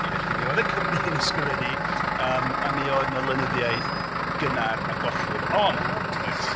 Felly mi oedd y Cymry yn ysgrifennu yym a mi oedd 'na lenyddiaeth gynnar a gollwyd ond... Reit.